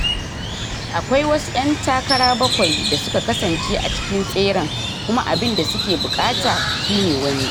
"Akwai wasu 'yan takara bakwai da suka kasance a cikin tseren, kuma abin da suke bukata shi ne wani.